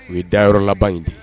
U ye dayɔrɔlaba in di